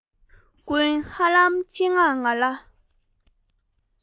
ཀུན ཧ ལམ ཆེད མངགས ང ལ